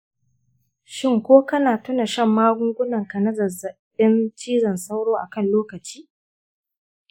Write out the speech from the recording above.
shin ko kana tuna shan magungunanka na zazzaɓin cizon sauro a kan lokaci?